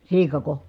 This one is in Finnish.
siikako